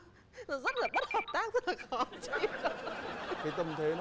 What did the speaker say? hợp tác rất là khó chịu